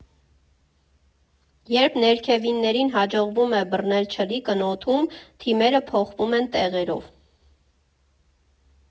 Երբ ներքևիններին հաջողվում է բռնել չլիկն օդում, թիմերը փոխվում են տեղերով։